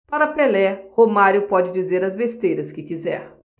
para pelé romário pode dizer as besteiras que quiser